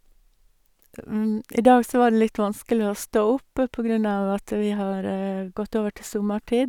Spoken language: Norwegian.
I dag så var det litt vanskelig å stå opp, på grunn av at vi har gått over til sommertid.